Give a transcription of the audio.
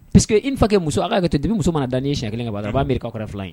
Paseke in fake muso ala ka tɛmɛ muso mana dan iɲɛ kelen ka a b'ari kɔrɔ fila ye